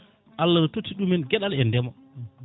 Allah ne totti ɗumen gueɗal e ndeema